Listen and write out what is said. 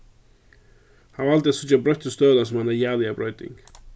hann valdi at síggja broyttu støðuna sum eina jaliga broyting